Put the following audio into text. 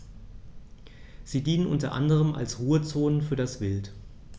Sie dienen unter anderem als Ruhezonen für das Wild.